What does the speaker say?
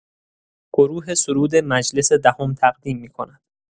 گروه سرود مجلس دهم تقدیم می‌کند.